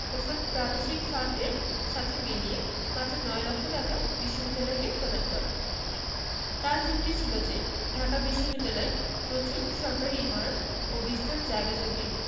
ওই ফান্ড প্রাদেশিক ফান্ডেলর সাথে মিলিয়ে মাত্র নয় লক্ষ টাকা বিশ্ববিদ্যালয়কে প্রদান করেন তাঁর যুক্তি ছিল যে ঢাকা বিশ্ববিদ্যালয় প্রচুর সরকারি ইমারত ও বিস্তর জায়গা জমি